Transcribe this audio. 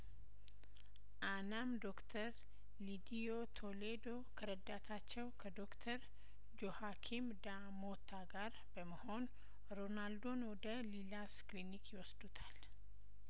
አናም ዶክተር ሊዲዮ ቶሌዶ ከረዳታቸው ከዶክተር ጆ ሀኪም ዳሞታ ጋር በመሆን ሮናልዶን ወደ ሊላስ ክሊኒክ ይወስዱታል